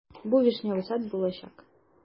Бу "Вишневый сад" булачак.